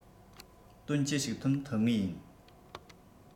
དོན ཅི ཞིག ཐོན ཐུབ ངེས ཡིན